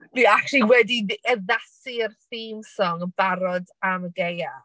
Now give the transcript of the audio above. Ni acshyli wedi dd- addasu'r theme song yn barod am y gaeaf.